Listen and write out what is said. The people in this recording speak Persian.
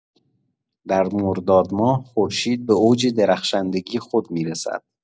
در مردادماه، خورشید به اوج درخشندگی خود می‌رسد.